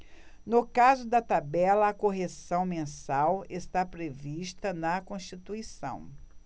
no caso da tabela a correção mensal está prevista na constituição